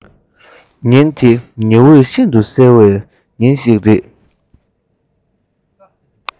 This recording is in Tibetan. ཉིན དེ ཉི འོད ཤིན ཏུ གསལ བའི ཉིན ཞིག རེད